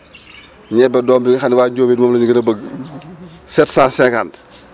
ñebe doom bi nga xam ni waa njóobeen moom lañu gën a bëgg 750